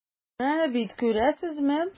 Менә бит, күрәсезме.